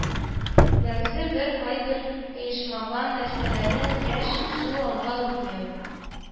Бәгъзе бер (кайбер) оешмаган нәрсәләрен яшь, үсү, алга үрләү